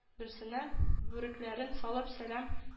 -берсенә бүрекләрен салып сәлам